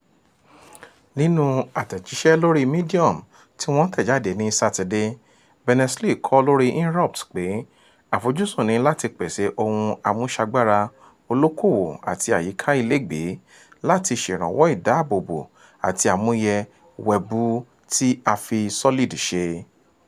Nínú àtljíṣẹ́ lórí Medium tí wọ́n tẹ̀jáde ní sátidé, Berners-Lee kọ lórí Inrupts pé “àfojúsùn ni láti pèsè ohun àmúṣagbara olókòwò àti àyíká ilegbèè láti ṣèrànwọ́ ìdáàbòbò àti àmúyẹ wẹ́ẹ̀bù tí a fi Solid ṣe.”